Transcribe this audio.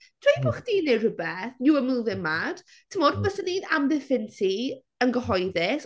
Dweud bod chi'n wneud rhywbeth you were moving mad timod fyswn i'n amddiffyn ti yn gyhoeddus.